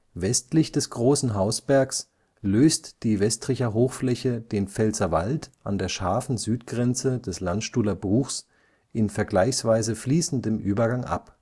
Westlich des Großen Hausbergs löst die Westricher Hochfläche den Pfälzerwald an der scharfen Südgrenze des Landstuhler Bruchs in vergleichsweise fließendem Übergang ab